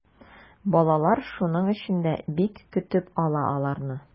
Балалар шуның өчен дә бик көтеп ала аларны.